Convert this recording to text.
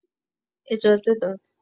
اجازه داد